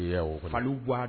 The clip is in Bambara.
Iyawɔ faliw buwa d